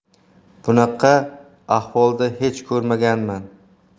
bunaqa ahvolda hech ko'rmaganman